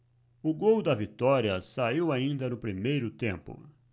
o gol da vitória saiu ainda no primeiro tempo